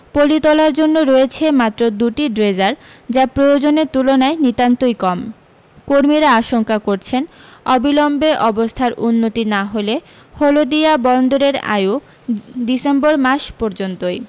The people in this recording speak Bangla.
পলি তোলার জন্য রয়েছে মাত্র দু টি ড্রেজার যা প্রয়োজনের তুলনায় নিতান্তই কম কর্মীরা আশঙ্কা করছেন অবিলম্বে অবস্থার উন্নতি না হলে হলদিয়া বন্দরের আয়ু ডিসেম্বর মাস পর্যন্তই